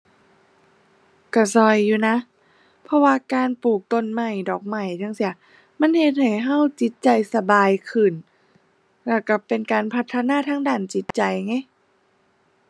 ก็ก็อยู่นะ เพราะว่าการปลูกต้นไม้ ดอกไม้จั่งซี้ มันเฮ็ดให้ก็จิตใจสบายขึ้น แล้วก็เป็นการพัฒนาทางด้านจิตใจไง